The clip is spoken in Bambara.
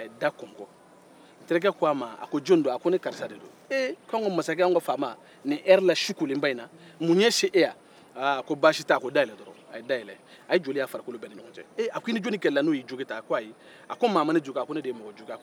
tirikɛ k'a ma a ko joni do a ko ne karisa de do eee k'anw ka masakɛ anw ka faama ni ɛri la sukolenba in na mu y'e se yan aaa a ko basi tɛ a ko dayɛlɛ dɔrɔn a ye dayɛlɛ a ye joli y'a farikolo bɛ ni ɲɔgɔn cɛ eee a k'i ni joni kɛlɛla n'o ye jogin ta a ko ayi a ko maa ma ne jogin ne de ye maa jogin a ko e ye mun kɛ a ko ne de ye mɔgɔ